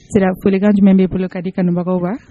Sira kolikan jumɛn bɛ bolokandi kanubagaw wa